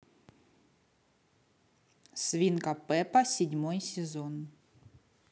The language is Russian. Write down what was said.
свинка пеппа седьмой сезон